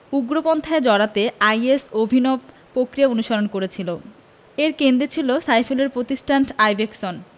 উগ্রপন্থায় জড়াতে আইএস অভিনব প্রক্রিয়া অনুসরণ করেছিল এর কেন্দ্রে ছিল সাইফুলের প্রতিষ্ঠান আইব্যাকসন